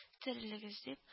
Терелегез дип